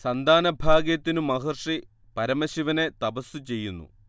സന്താനഭാഗ്യത്തിനു മഹർഷി പരമശിവനെ തപസ്സു ചെയ്യുന്നു